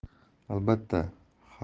albatta har bir xabarga